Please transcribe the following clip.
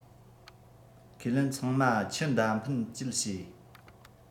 ཁས ལེན ཚང མ ཆུ མདའ འཕེན སྤྱད བྱས